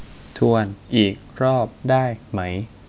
ทวนอีกรอบได้ไหม